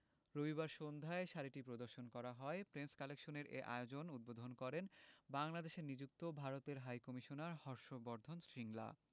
রবিবার সন্ধ্যায় শাড়িটি প্রদর্শন করা হয় প্রেমস কালেকশনের এ আয়োজন উদ্বোধন করেন বাংলাদেশে নিযুক্ত ভারতের হাইকমিশনার হর্ষ বর্ধন শ্রিংলা